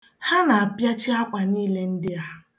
Ha na-apịachi akwa nille ndị a